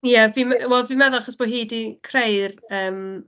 Ie, fi yy wel fi'n meddwl achos bod hi 'di creu'r, yym...